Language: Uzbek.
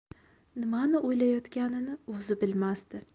nimani o'ylayotganini o'zi bilmasdi